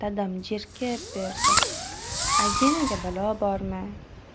dadam jerkib berdi ajinaga balo bormi